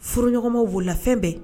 Furuɲɔgɔnmaw b'u la fɛn bɛɛ